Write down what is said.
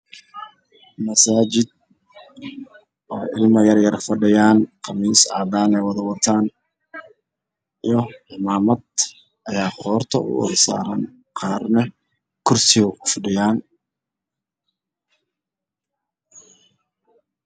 Meeshaan waa meel joogaan wiil farabadan wiilasha waxay wataan khamiisyo